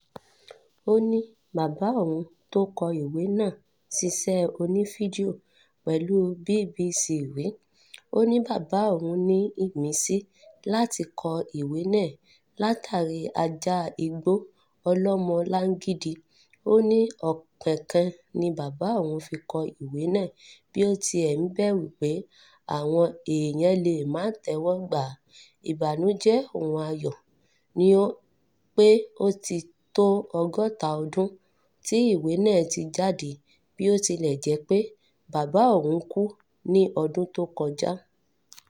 Ó ní bàbá òun tó kọ ìwé ná́à ṣiṣẹ́ onífídíò pẹ̀lú BBC rìí. Ó ní bàbá òun ní ìmísí láti kọ ìwé náà látàrí ajá igbó ọlọ́mọlangidi. Ó ní ọkàn kan ni bàbá òun fi kọ ìwé náà bí ó tiẹ̀ ń bẹ̀rù pé àwọn èèyàn lè máa tẹ́wọ́gbà á. “Ìbànújẹ́oọunayọ̀” ni pé ó ti tó ọgọ́ta ọdún tí ìwé náà ti jáde bí ó tilẹ̀ jẹ́ pé bàbá òun kú ní ọdún tó kọjá.